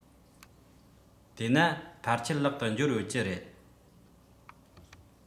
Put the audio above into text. དེས ན ཕལ ཆེར ལག ཏུ འབྱོར ཡོད ཀྱི རེད